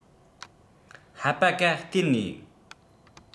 ཧ པ ཀ སྟེར ངེས